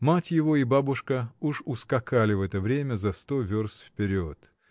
Мать его и бабушка уж ускакали в это время за сто верст вперед.